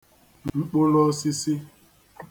mkpụoosisi